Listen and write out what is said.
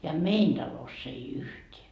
ja meidän talossa ei yhtään